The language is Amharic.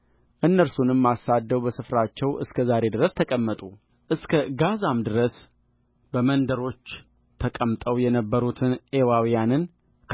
እነርሱንም አሳድደው በስፍራቸው እስከ ዛሬ ድረስ ተቀመጡእስከ ጋዛም ድረስ በመንደሮች ተቀምጠው የነበሩትን ኤዋውያንን